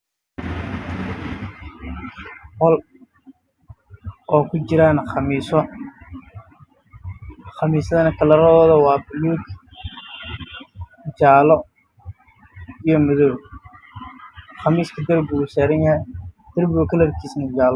Waa qol ah ku jiraan qamiisyo kalar koodu waa buluug iyo jaalo